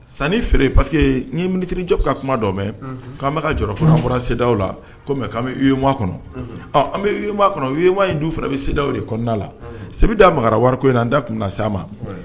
Sanni feere yen pa nii minitirijɔ ka kuma dɔ'an bɛka ka jɔ bɔra sedaw la an yo kɔnɔ an yo kɔnɔma in du fana bɛ sedaw de kɔnɔnada la sebi d mara wari ko in an da kun na s a ma